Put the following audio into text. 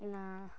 Na.